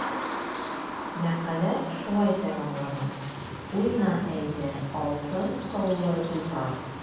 Мәкалә шулай тәмамлана: “Уйна, әйдә, алтын кыллы дутар!"